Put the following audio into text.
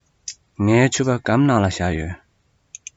ངའི ཕྱུ པ སྒམ ནང ལ བཞག ཡོད